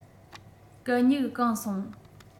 གད སྙིགས གང སོང